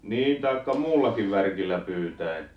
niin tai muullakin värkillä pyytäen